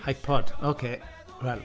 "Hypod", ocê. Wel…